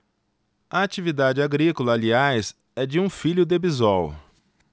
a atividade agrícola aliás é de um filho de bisol